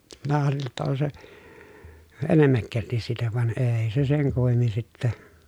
minä arvelin jotta on se enemmäkkälti siitä vaan ei se sen kummemmin sitten